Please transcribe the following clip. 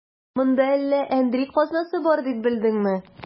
Монда әллә әндри казнасы бар дип белдеңме?